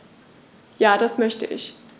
Ja, das möchte ich.